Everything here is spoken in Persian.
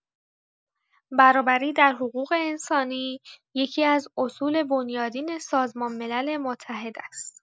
برابری در حقوق انسانی یکی‌از اصول بنیادین سازمان ملل متحد است.